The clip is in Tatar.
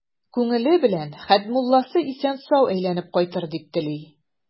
Күңеле белән Хәтмулласы исән-сау әйләнеп кайтыр дип тели.